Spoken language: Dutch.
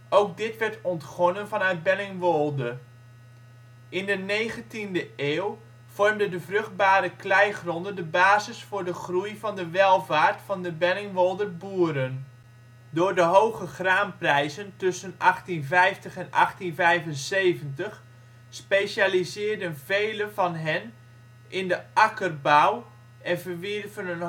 Ook dit werd ontgonnen vanuit Bellingwolde. In de 19e eeuw vormden de vruchtbare kleigronden de basis voor de groei van de welvaart van de Bellingwolder boeren. Door de hoge graanprijzen tussen 1850 en 1875 specialiseerden velen van hen in de akkerbouw en